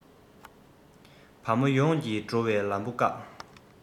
བ མོ ཡོངས ཀྱི འགྲོ བའི ལམ བུ བཀག